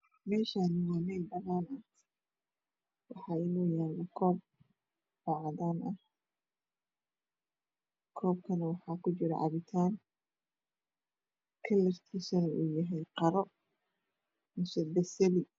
Meshaan waa meel amaan ah waxa ino yaalo koob oo cadaan ah koobna waxaa ku jiro cabitaan kalarkiisana uu yahay qaro misa basali